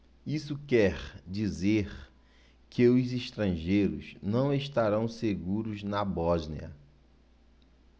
isso quer dizer que os estrangeiros não estarão seguros na bósnia